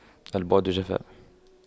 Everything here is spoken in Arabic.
البعد جفاء